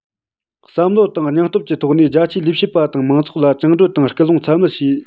བསམ བློ དང སྙིང སྟོབས ཀྱི ཐོག ནས རྒྱ ཆེའི ལས བྱེད པ དང མང ཚོགས ལ བཅིངས འགྲོལ དང སྐུལ སློང ཚད མེད བྱས